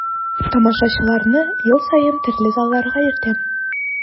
Тамашачыларны ел саен төрле залларга йөртәм.